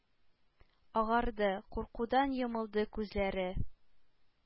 Агарды; куркудан йомылды күзләре.